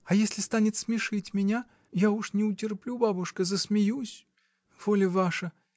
А если станет смешить меня — я уж не утерплю, бабушка, — засмеюсь, воля ваша!